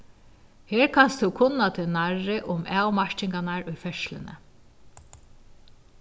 her kanst tú kunna teg nærri um avmarkingarnar í ferðsluni